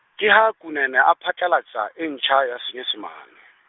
ke ha Kunene a phatlallatsa e ntjha ya Senyesemane.